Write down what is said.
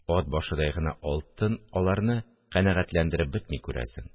«ат башыдай» гына алтын аларны канәгатьләндереп бетми, күрәсең